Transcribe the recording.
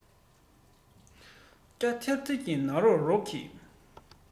སྐྱ ཐེར ཐེར གྱི ནག རོག རོག གི